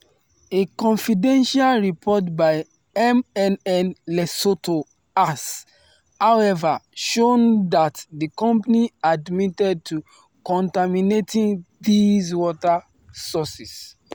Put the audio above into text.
A confidential report by MNN Lesotho has, however, shown that the company admitted to contaminating these water sources.